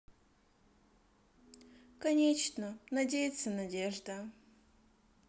конечно надеется надежда